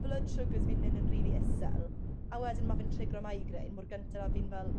blood sugars fi'n mynd yn rili isel a wedyn ma' fe'n trigro migraine mor gynta a fi'n fel